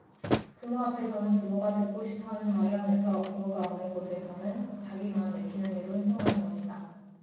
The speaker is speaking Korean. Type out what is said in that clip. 부모 앞에서는 부모가 듣고 싶어 하는 말을 하면서 부모가 없는 곳에서는 자기 마음 내키는 대로 행동하는 것이다